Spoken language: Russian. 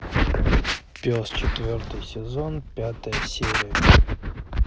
пес четвертый сезон пятая серия